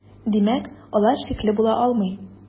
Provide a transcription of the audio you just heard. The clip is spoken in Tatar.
Димәк, алар шикле була алмый.